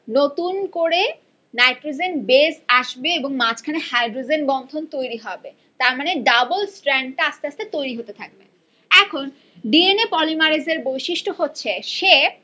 নতুন করে nitrogen base আসবে এবং মাঝখানে হাইড্রোজেন বন্ধন তৈরি হবে তার মানে ডাবল স্ট্র্যান্ড টা আস্তে আস্তে তৈরি হতে থাকবে এখন ডিএনএ পলিমারেজ এর বৈশিষ্ট্য হচ্ছে সে